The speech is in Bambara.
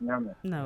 'a mɛn